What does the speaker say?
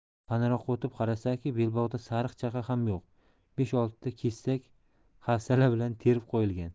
panaroqqa o'tib qarasaki belbog'da sariq chaqa ham yo'q besh oltita kesak hafsala bilan terib qo'yilgan